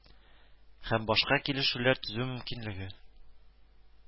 Һәм башка килешүләр төзү мөмкинлеге